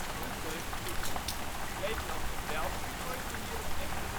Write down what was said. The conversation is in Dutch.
Brunberg suukot. Nederland en België vormden hierop echter